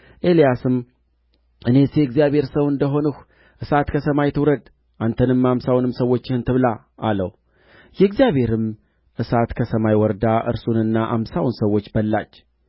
እሳትም ከሰማይ ወርዳ እርሱንና አምሳውን ሰዎቹን በላች ደግሞም ሌላ የአምሳ አለቃ ከአምሳ ሰዎች ጋር ላከበት እርሱም የእግዚአብሔር ሰው ሆይ ንጉሡ ፈጥነህ ውረድ ይላል ብሎ ተናገረ